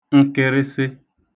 nkịrịsị